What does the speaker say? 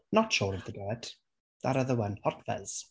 Not Shaun of the Dead. That other one, Hot Fuzz.